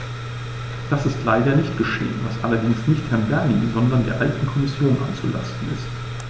Das ist leider nicht geschehen, was allerdings nicht Herrn Bernie, sondern der alten Kommission anzulasten ist.